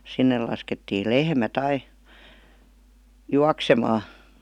sinne laskettiin lehmät aina juoksemaan